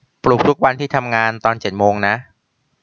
ปลุกทุกวันที่ทำงานตอนเจ็ดโมงนะ